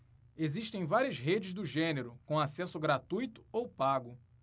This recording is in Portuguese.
existem várias redes do gênero com acesso gratuito ou pago